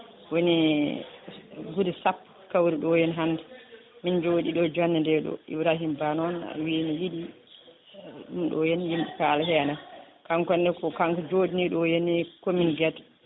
woni guure sappo kawri ɗo henna hande min joɗiɗo e jondede ɗo Ibrahima Ba noon wi ne yiiɗi ɗum ɗo henna yimɓe kaala hene kankone ko kanko jooɗani ɗo henne commune Guédé